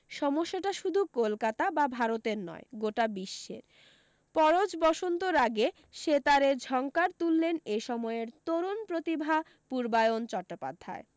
সমস্যাটা শুধু কলকাতা বা ভারতের নয় গোটা বিশ্বের পরজ বসন্ত রাগে সেতারে ঝংকার তুললেন এ সময়ের তরুণ প্রতিভা পূর্বায়ন চট্টোপাধ্যায়